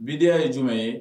Bidaha ye jumɛn ye?